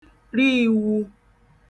ri īwū